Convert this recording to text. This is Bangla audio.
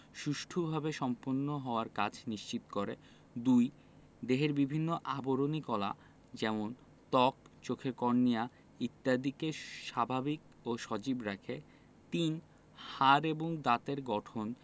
সুষ্ঠুভাবে সম্পন্ন হওয়ার কাজ নিশ্চিত করে ২ দেহের বিভিন্ন আবরণী কলা যেমন ত্বক চোখের কর্নিয়া ইত্যাদিকে স্বাভাবিক ও সজীব রাখে ৩ হাড় এবং দাঁতের গঠন